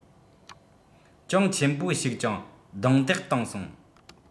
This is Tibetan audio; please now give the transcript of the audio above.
ཅུང ཆེན པོ ཞིག ཀྱང རྡུང རྡེག གཏང སོང